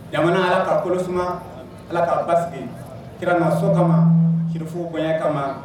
Jamanamana ala ka kolo suma ala k'a ba sigi kiranaso kama kifo bonya kama